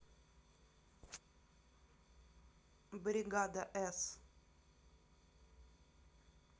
бригада с